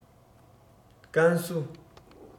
ཀན སུའུ